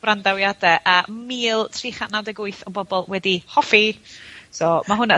...wrandawiadau a mil tri chant naw deg wyth o bobol wedi hoffi, so ma' hwnna...